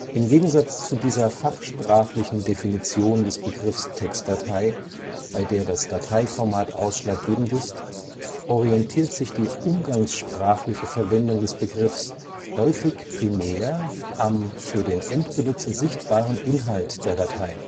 Im Gegensatz zu dieser fachsprachlichen Definition des Begriffs Textdatei, bei der das Dateiformat ausschlaggebend ist, orientiert sich die umgangssprachliche Verwendung des Begriffs häufig primär am für den Endbenutzer sichtbaren Inhalt der Datei